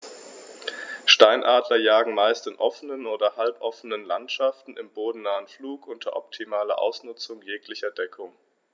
Steinadler jagen meist in offenen oder halboffenen Landschaften im bodennahen Flug unter optimaler Ausnutzung jeglicher Deckung.